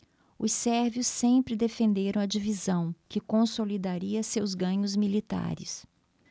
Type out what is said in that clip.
os sérvios sempre defenderam a divisão que consolidaria seus ganhos militares